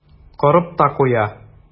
Корып та куя.